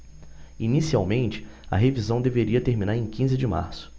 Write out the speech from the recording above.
inicialmente a revisão deveria terminar em quinze de março